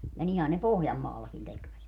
ja niinhän ne Pohjanmaallakin tekivät